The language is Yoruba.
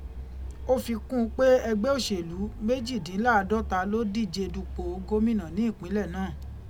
Ó fi kún un pé ẹgbẹ́ òṣèlú méjìdínláàádọ́ta ló díje dupò gómìnà ní ìpínlẹ̀ náà.